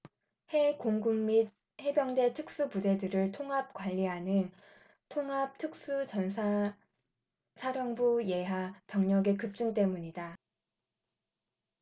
해 공군및 해병대 특수부대들을 통합 관리하는 통합특수전사령부 예하 병력의 급증 때문이다